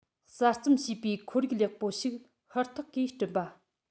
གསར རྩོམ བྱེད པའི ཁོར ཡུག ལེགས པོ ཞིག ཧུར ཐག གིས བསྐྲུན པ